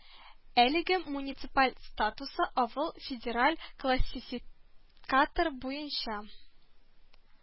Әлегә муниципаль статусы авыл федераль классифи катор буенча